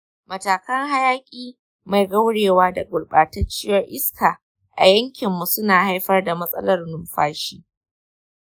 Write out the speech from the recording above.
matakan hayaƙi mai gauraye da gurbatacciyar iska a yankinmu suna haifar da matsalar numfashi.